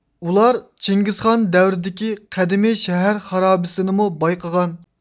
ئۇلار چىڭگىزخان دەۋرىدىكى قەدىمىي شەھەر خارابىسىنىمۇ بايقىغان